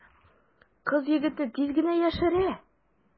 Кыз егетне тиз генә яшерә.